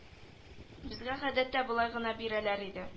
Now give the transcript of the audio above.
Безгә гадәттә болай гына бирәләр иде